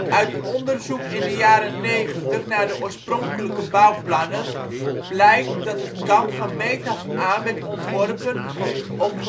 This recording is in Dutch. Uit onderzoek in de jaren 90 naar de oorspronkelijke bouwplannen blijkt dat het kamp van meet af aan werd ontworpen om